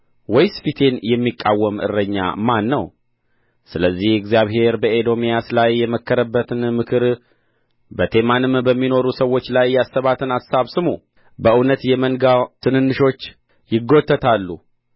ወይስ ፊቴን የሚቃወም እረኛ ማን ነው ስለዚህ እግዚአብሔር በኤዶምያስ ላይ የመከረባትን ምክር በቴማንም በሚኖሩ ሰዎች ላይ ያሰባትን አሳብ ስሙ